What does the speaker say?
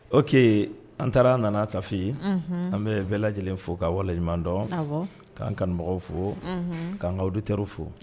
O kɛlen an taara nana tafe yen an bɛ bɛɛ lajɛlen fo ka waleɲuman dɔn k'an kanmɔgɔw fo k'an kaditɛ fo